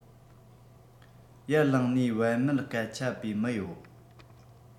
ཡར ལངས ནས བད མེད སྐད ཆ པའི མི ཡོད